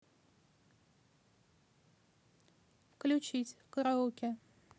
включить караоке